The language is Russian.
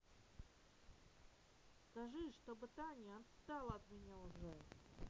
скажи чтобы таня отстала от меня уже